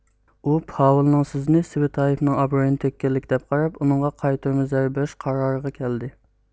ئۇ پاۋېلنىڭ سۆزىنى سۋېتايېفنىڭ ئابرۇيىنى تۆككەنلىك دەپ قاراپ ئۇنىڭغا قايتۇرما زەربە بېرىش قارارىغا كەلدى